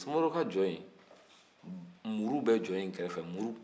sumaworo ka jɔ in muru bɛ jɔ in kɛrɛfɛ muru